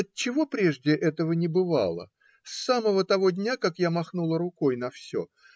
Отчего прежде этого не бывало, с самого того дня, как я махнула рукой на все?